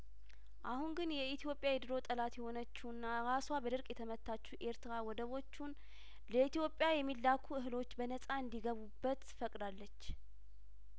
አሁን ግን የኢትዮጵያ የድሮ ጠላት የሆነችውና ራሷ በድርቅ የተመታችው ኤርትራ ወደቦቹን ለኢትዮጵያ የሚላኩ እህሎች በነጻ እንዲገቡበት ፈቅዳለች